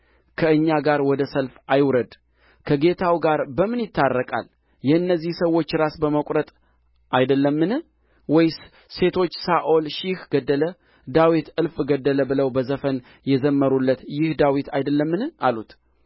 ከእኛ ጋር ወደ ሰልፍ አይውረድ ከጌታው ጋር በምን ይታረቃል የእነዚህን ሰዎች ራስ በመቍረጥ አይደለምን ወይስ ሴቶች ሳኦል ሺህ ገደለ ዳዊት እልፍ ገደለ ብለው በዘፈን የዘመሩለት ይህ ዳዊት አይደለምን አሉት